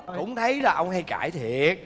đâu cũng thấy là ông hay cãi thiệt